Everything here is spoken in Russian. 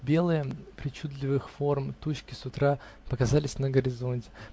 Белые, причудливых форм тучки с утра показались на горизонте